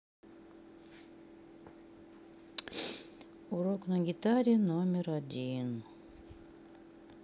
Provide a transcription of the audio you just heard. урок на гитаре номер один